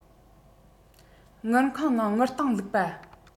དངུལ ཁང ནང དངུལ སྟེང བླུགས པ རེད